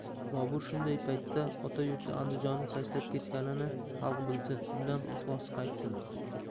bobur shunday paytda ota yurti andijonni tashlab ketganini xalq bilsin undan ixlosi qaytsin